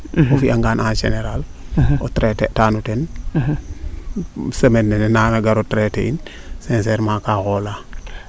o fiya ngaan en generale o traiter taan no ten semaine nene naana gar o traiter in sincerement kaa xoola